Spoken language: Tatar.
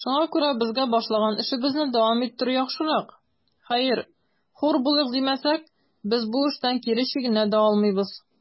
Шуңа күрә безгә башлаган эшебезне дәвам иттерү яхшырак; хәер, хур булыйк димәсәк, без бу эштән кире чигенә дә алмыйбыз.